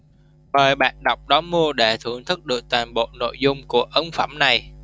mời bạn đọc đón mua để thưởng thức được toàn bộ nội dung của ấn phẩm này